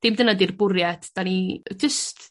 dim dyna ydi'r bwriad 'dan ni yy jyst